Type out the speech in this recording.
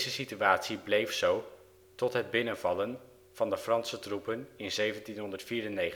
situatie bleef zo tot het binnenvallen van de Franse troepen in 1794